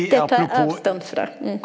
det tar jeg avstand fra ja.